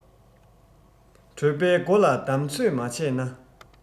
གྲོད པའི སྒོ ལ བསྡམ ཚོད མ བྱས ན